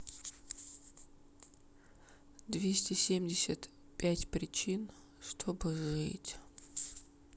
двести семьдесят пять причин чтобы жить